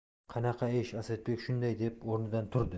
qanaqa ish asadbek shunday deb o'rnidan turdi